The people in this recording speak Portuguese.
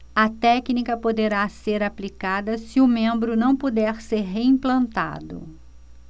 a técnica poderá ser aplicada se o membro não puder ser reimplantado